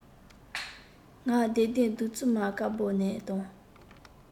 ང བདེ ལྡན བདུད རྩི མ དཀར མོ ནས དང